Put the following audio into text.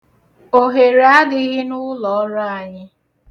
Ohere adịghị n'ụlọọrụ anyị.